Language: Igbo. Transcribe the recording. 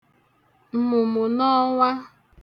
m̀mụ̀mụ̀nọwa